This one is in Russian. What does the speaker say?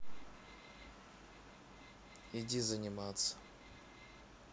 иди заниматься